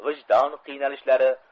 vijdon qiynalishlari